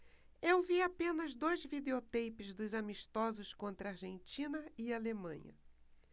eu vi apenas dois videoteipes dos amistosos contra argentina e alemanha